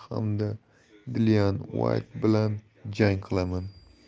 hamda dilian uayt bilan jang qilaman